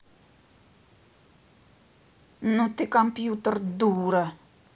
ну ты компьютер дура